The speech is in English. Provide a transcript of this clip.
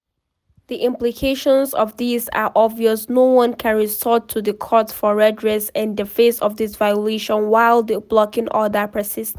The implications of this are obvious — no one can resort to the courts for redress in the face of this violation while the blocking order persists.